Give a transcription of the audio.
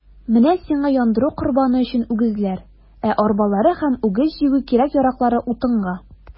Менә сиңа яндыру корбаны өчен үгезләр, ә арбалары һәм үгез җигү кирәк-яраклары - утынга.